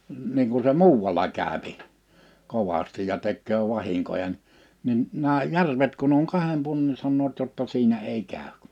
niin kun se muualla käy kovasti ja tekee vahinkoja - niin nämä järvet kun on kahden puolen niin sanovat jotta siinä ei käy